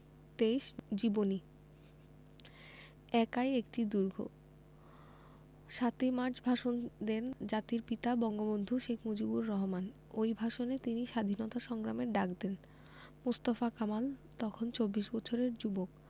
২৩ জীবনী একাই একটি দুর্গ ৭ই মার্চ ভাষণ দেন জাতির পিতা বঙ্গবন্ধু শেখ মুজিবুর রহমান ওই ভাষণে তিনি স্বাধীনতা সংগ্রামের ডাক দেন মোস্তফা কামাল তখন চব্বিশ বছরের যুবক